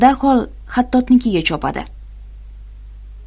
darhol xattotnikiga chopadi